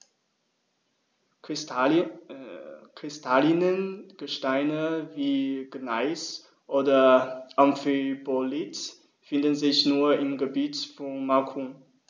Kristalline Gesteine wie Gneis oder Amphibolit finden sich nur im Gebiet von Macun.